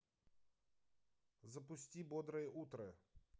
запусти бодрое утро